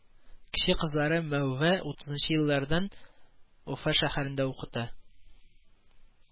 Кече кызлары Мәүва утызынчы еллардан Уфа шәһәрендә укыта